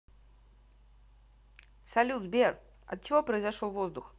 салют сбер от чего произошел воздух